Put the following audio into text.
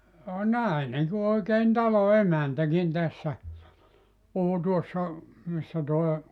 on nainen kun oikein talon emäntäkin tässä puhui tuossa missä tuo